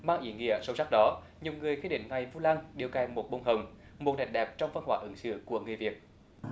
mang ý nghĩa sâu sắc đỏ nhiều người khi đến thay vô lăng điều cài một bông hồng một nét đẹp trong văn hóa ứng xử của người việt